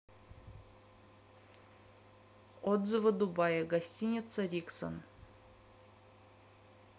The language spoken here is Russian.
отзывы дубаи гостиница rikson